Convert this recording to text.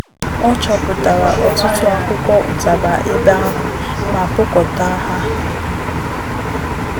Ọ chọpụtara ọtụtụ akwụkwọ ụtaba ebe ahụ ma kpokọta ha.